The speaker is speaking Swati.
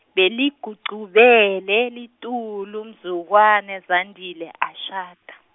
Beligucubele, litulu, mzukwana Zandile ashada.